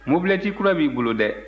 mobilɛti kura b'i bolo dɛ